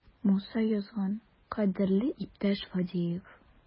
Муса язган: "Кадерле иптәш Фадеев!"